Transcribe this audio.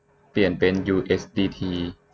เปลี่ยนเป็นยูเอสดีที